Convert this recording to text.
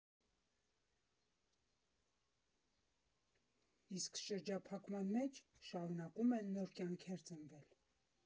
Իսկ շրջափակման մեջ շարունակում են նոր կյանքեր ծնվել.